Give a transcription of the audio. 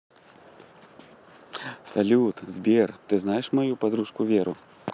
салют сбер ты знаешь мою подружку веру